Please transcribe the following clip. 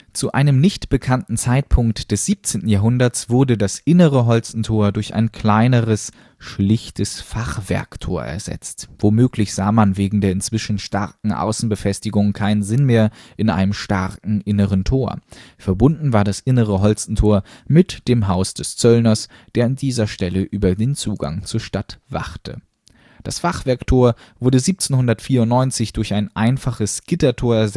Zu einem nicht bekannten Zeitpunkt des 17. Jahrhunderts wurde das Innere Holstentor durch ein kleineres, schlichtes Fachwerktor ersetzt – womöglich sah man wegen der inzwischen starken Außenbefestigungen keinen Sinn mehr in einem starken inneren Tor. Verbunden war das Innere Holstentor mit dem Haus des Zöllners, der an dieser Stelle über den Zugang zur Stadt wachte. Das Fachwerktor wurde 1794 durch ein einfaches Gittertor